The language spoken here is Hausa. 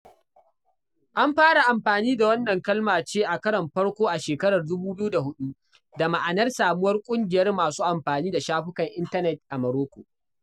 An fara amfani da wannan kalma ce a karon farko a shekara 2004 da ma'anar samuwar ƙungiyar masu amfani da shafukan intanet a Marocco.